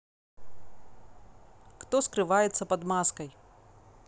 кто скрывается под маской